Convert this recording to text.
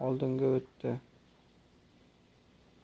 berdi va oldinga o'tdi